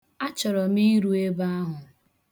Achọrọ m iru ebe ahụ.